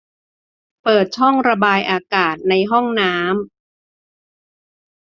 เปิดช่องระบายอากาศในห้องน้ำ